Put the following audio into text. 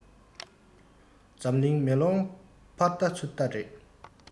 འཛམ གླིང མེ ལོང ཕར བལྟ ཚུར བལྟ རེད